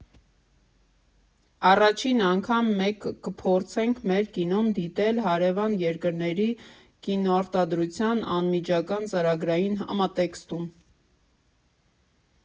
Առաջին անգամ մեկ կփորձենք մեր կինոն դիտել հարևան երկրների կինոարտադրության անմիջական ծրագրային համատեքստում։